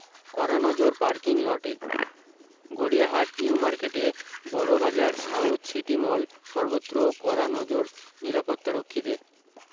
কড়া নজর পার্কিং লটে Gariahat New Market Burra Bazar South City Mall সর্বত্র কড়া নজর নিরাপত্তারক্ষীদের